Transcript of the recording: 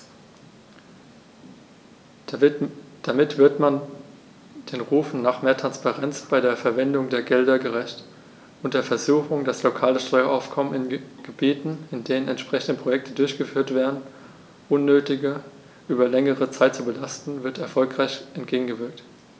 Damit wird man den Rufen nach mehr Transparenz bei der Verwendung der Gelder gerecht, und der Versuchung, das lokale Steueraufkommen in Gebieten, in denen entsprechende Projekte durchgeführt werden, unnötig über längere Zeit zu belasten, wird erfolgreich entgegengewirkt.